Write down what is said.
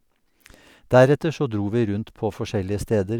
Deretter så dro vi rundt på forskjellige steder.